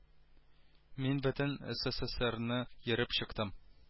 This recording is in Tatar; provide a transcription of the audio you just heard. Мин бөтен сссрны йөреп чыктым